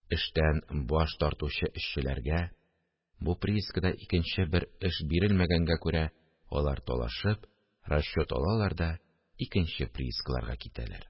Эштән баш тартучы эшчеләргә, бу приискада икенче бер эш бирелмәгәнгә күрә, алар талашып расчёт алалар да икенче приискаларга китәләр